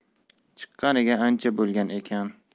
chiqqaniga ancha bo'lgan ekan